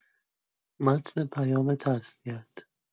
متن پیام تسلیت